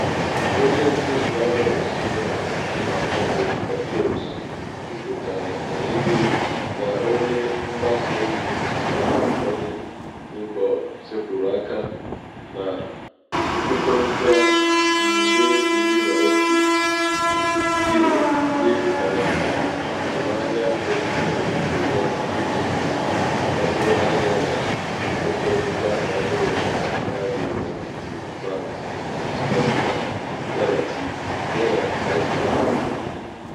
Onye nke Dragons Den ama ama bụ Peter Jones juputara ‘n’iwe’ ka onye mgbasa ozi TV Holly Willoughby sepụrụ aka na nkwekọrịta £11million dị n’etiti azụmahịa obibi ndụ ya iji gbado anya na nkwekọrịta ọhụrụ ya dị n’etiti Marks and Spencer yana ITV